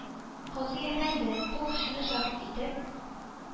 — казый әфәнде! бу кешене шаһит итеп